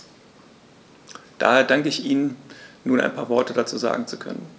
Daher danke ich Ihnen, nun ein paar Worte dazu sagen zu können.